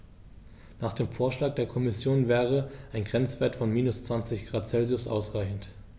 Nach dem Vorschlag der Kommission wäre ein Grenzwert von -20 ºC ausreichend.